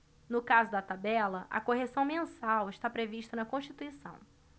no caso da tabela a correção mensal está prevista na constituição